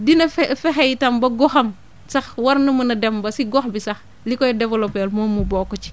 dina fe fexe itam ba goxam sax war na mën a dem ba si gox bi sax li koy développé moom mu bokk ci